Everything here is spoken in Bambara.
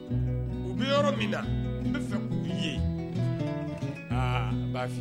U bɛ yɔrɔ min na, n bɛ fɛ k'o ye, aa Bafin